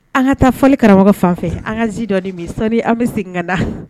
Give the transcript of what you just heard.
An ka taa fɔli karamɔgɔ fan fɛ. An ka ji dɔɔni mi. Sɔni an bɛ segin ka na.